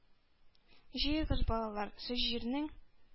Җыегыз, балалар, сез җирнең